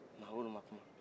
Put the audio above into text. mamudu ma kuma